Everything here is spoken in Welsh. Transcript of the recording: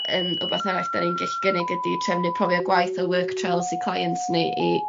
yn wbath arall 'dan ni'n gellu gynnig ydi trefnu profiad gwaith fel work trials i clients ni i